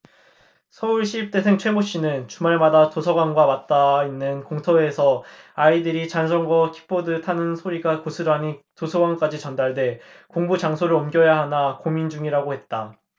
서울시립대생 최모씨는 주말마다 도서관과 맞닿아 있는 공터에서 아이들이 자전거 킥보드 타는 소리가 고스란히 도서관까지 전달돼 공부장소를 옮겨야 하나 고민 중이라고 했다